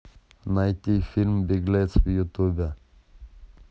найти фильм беглец в ютубе